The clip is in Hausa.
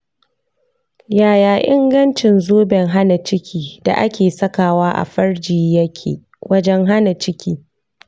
yaya ingancin zoben hana ciki da ake sakawa a farji yake wajen hana ciki?